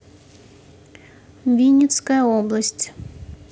винницкая область